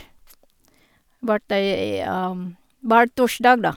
Vært der i hver torsdag, da.